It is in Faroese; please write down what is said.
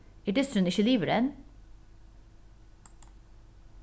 er dysturin ikki liðugur enn